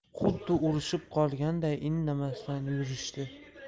xuddi urishib qolganday indamasdan yurishdi